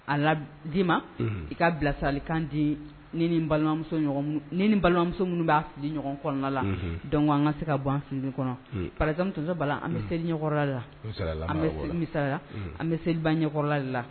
A la d'i ma i ka bilasali kan di balimamuso balimamuso minnu b'a fili ɲɔgɔn kɔnɔna la dɔn an ka se ka bɔ an fili kɔnɔ farasɔ bala an bɛ selila la an bɛ misa an bɛ seli ɲɛla la